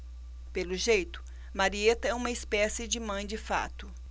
pelo jeito marieta é uma espécie de mãe de fato